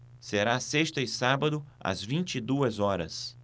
será sexta e sábado às vinte e duas horas